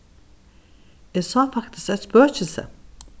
eg sá faktiskt eitt spøkilsi